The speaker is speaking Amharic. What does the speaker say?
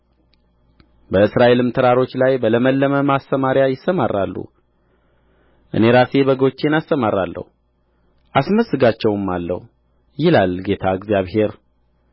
በእስራኤልም ተራሮች ላይ በለመለመ ማሰማርያ ይሰማራሉ እኔ ራሴ በጎቼን አሰማራለሁ አስመስጋቸውማለሁ ይላል ጌታ እግዚአብሔር